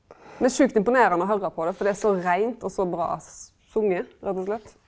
men sjukt imponerande å høyra på det fordi det er så reint og så bra sunge, rett og slett.